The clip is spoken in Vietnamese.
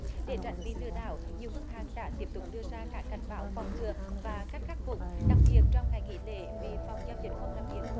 để tránh bị lừa đảo nhiều ngân hàng đã tiếp tục đưa ra các cảnh báo phòng ngừa và cách khắc phục đặc biệt trong ngày nghỉ lễ vì phòng giao dịch không làm việc